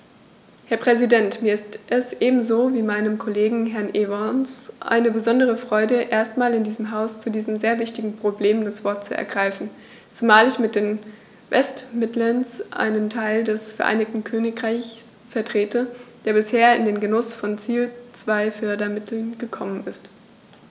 Herr Präsident, mir ist es ebenso wie meinem Kollegen Herrn Evans eine besondere Freude, erstmals in diesem Haus zu diesem sehr wichtigen Problem das Wort zu ergreifen, zumal ich mit den West Midlands einen Teil des Vereinigten Königreichs vertrete, der bisher in den Genuß von Ziel-2-Fördermitteln gekommen ist.